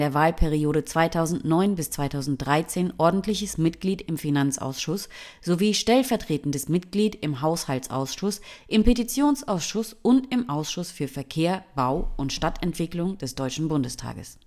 Wahlperiode 2009 bis 2013 ordentliches Mitglied im Finanzausschuss sowie stellvertretendes Mitglied im Haushaltsausschuss, im Petitionsausschuss und im Ausschuss für Verkehr, Bau und Stadtentwicklung des Deutschen Bundestages